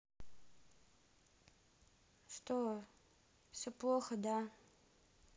что все плохо да